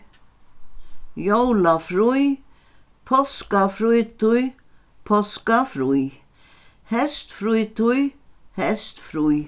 jólafrí páskafrítíð páskafrí heystfrítíð heystfrí